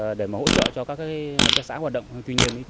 ờ để mà hỗ trợ cho các cái hợp tác xã hoạt động tuy nhiên